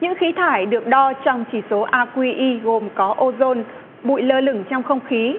những khí thải được đo trong chỉ số a quy y gồm có ô dôn bụi lơ lửng trong không khí